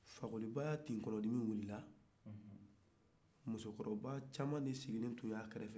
fakoli ba ka tin kɔnɔtimin wilila musokɔrɔba caaman de sigilen tun b'a kɛrɛfɛ